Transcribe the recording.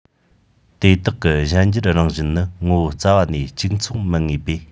དེ དག གི གཞན འགྱུར རང བཞིན ནི ངོ བོ རྩ བ ནས གཅིག མཚུངས མིན ངེས པས